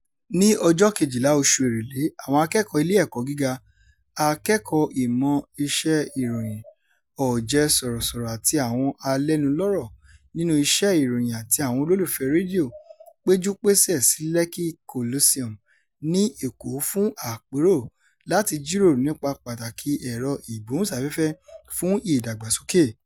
Ní ọjọ́ 12 oṣù Èrèlé, àwọn akẹ́kọ̀ọ́ ilé ẹ̀kọ́ gíga, akẹ́kọ̀ọ́ ìmọ̀ iṣẹ́ ìròyìn, ọ̀jẹ̀ sọ̀rọ̀sọ̀rọ̀ àti àwọn alẹ́nulọ́rọ̀ nínú iṣẹ́ ìròyìn àti àwọn olólùfẹ́ẹ̀ rédíò péjúpésẹ̀ sí Lekki Coliseum ní Èkó fún àpérò láti jíròrò nípa pàtàkìi ẹ̀rọ-ìgbóhùnsáfẹ́fẹ́ fún ìdàgbàsókè.